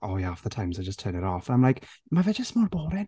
"oh yeah, half the times I just turn it off" and I'm like, ma fe jyst mor boring.